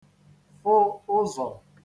fụ ụzọ̀